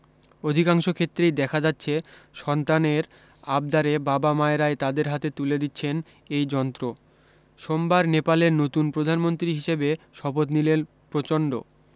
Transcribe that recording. অধিকাংশ ক্ষেত্রেই দেখা যাচ্ছে সন্তানের আবদারে বাবা মায়েরাই তাদের হাতে তুলে দিচ্ছেন এই যন্ত্র সোমবার নেপালের নতুন প্রধানমন্ত্রী হিসেবে শপথ নিলেন প্রচণ্ড